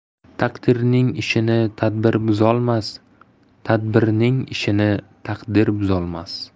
taqdirning ishini tadbir buzolmas tadbirning ishini taqdir buzolmas